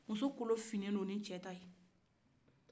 muso kolo fin ne don ni cɛ ta ye